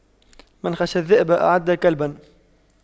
من خشى الذئب أعد كلبا